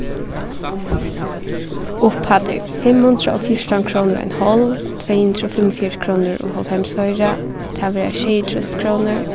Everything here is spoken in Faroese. upphæddir fimm hundrað og fjúrtan krónur og ein hálv tvey hundrað og fimmogfjøruti krónur og hálvfems oyru tað verða sjeyogtrýss krónur